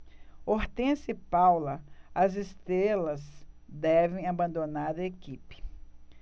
hortência e paula as estrelas devem abandonar a equipe